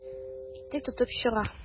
Итек тотып чыга.